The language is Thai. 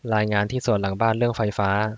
รายงานที่สวนหลังบ้านเรื่องไฟฟ้า